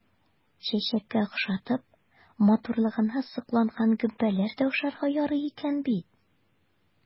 Чәчәккә охшатып, матурлыгына сокланган гөмбәләр дә ашарга ярый икән бит!